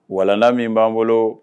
Walanana min b'an bolo